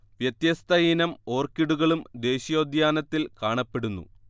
വ്യത്യസ്ത ഇനം ഓർക്കിഡുകളും ദേശീയോദ്യാനത്തിൽ കാണപ്പെടുന്നു